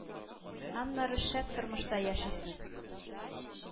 Аннары шәп тормышта яшисең.